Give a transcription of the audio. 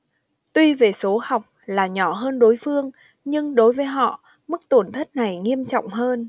tuy về số học là nhỏ hơn đối phương nhưng đối với họ mức tổn thất này nghiêm trọng hơn